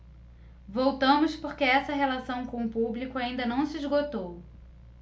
voltamos porque essa relação com o público ainda não se esgotou